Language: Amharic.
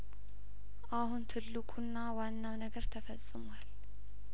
አሁን ትልቁና ዋናው ነገር ተፈጽሟል